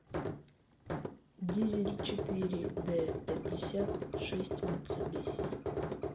дизель четыре дэ пятьдесят шесть митсубиси